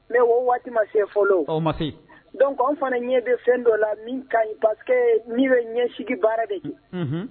Mais o waati ma se fɔlɔ dɔnc an fana ɲɛ bɛ fɛn dɔ la min ka ɲi parce que nin ye ɲɛsigi baara de don